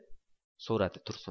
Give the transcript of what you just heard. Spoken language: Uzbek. so'radi tursun